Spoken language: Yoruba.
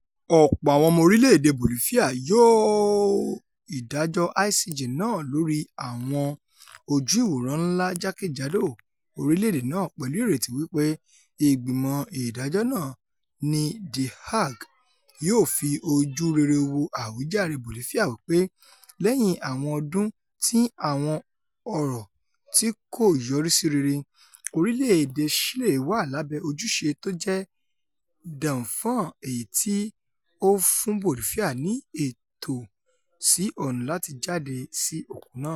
Ọ̀pọ̀ àwọn ọmọ orílẹ̀-èdè Bolifia yóô ìdájọ́ ICJ náà lórí àwọn ojú-ìwòran ńlá jáke-jádò orílẹ̀-èdè náà, pẹ̀lú ìrètí wí pé ìgbìmọ ìdájọ́ náà ní The Hague yóò fi ojú rere wo àwíjàre Bolifia wí pé - lẹ́yìn àwọn ọdún ti àwọn ọ̀rọ̀ tí kò yọrísí rere - orílẹ̀-èdè Ṣílè wà lábẹ́ ojúṣe tójẹ́ danfan èyití ó ńfún Bolifia ní ẹ̀tọ́ sí ọ̀nà láti jade sí òkun náà.